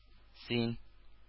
Син